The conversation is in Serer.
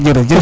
jerejef